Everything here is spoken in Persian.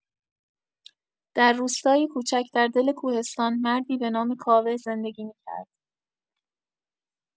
در روستایی کوچک در دل کوهستان، مردی به نام کاوه زندگی می‌کرد.